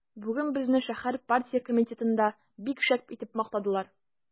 Бүген безне шәһәр партия комитетында бик шәп итеп мактадылар.